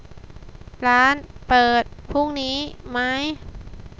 ร้านเปิดพรุ่งนี้ไหม